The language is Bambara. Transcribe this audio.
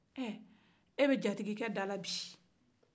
ɛ e bɛ jatigikɛ dala bi